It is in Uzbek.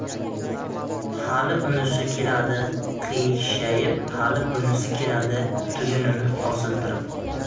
hali unisi keladi qiyshayib hali bunisi keladi tugunini osiltirib